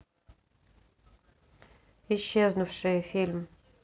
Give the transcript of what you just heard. исчезнувшие фильм